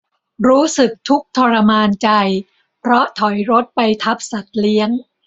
รู้สึกทุกข์ทรมานใจเพราะถอยรถไปทับสัตว์เลี้ยง